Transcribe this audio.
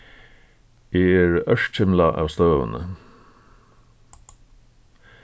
eg eri ørkymlað av støðuni